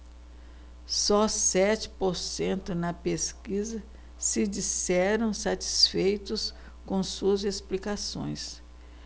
só sete por cento na pesquisa se disseram satisfeitos com suas explicações